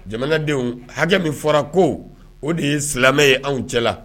Jamanadenw hakɛ min fɔra ko o de ye silamɛ ye anw cɛla la